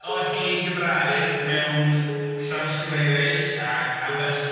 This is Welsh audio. o hen Gymraeg mewn llawysgrifau eraill ac ambell...